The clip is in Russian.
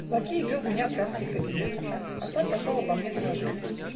Лакей ввел меня в графский кабинет, а сам пошел обо мне доложить.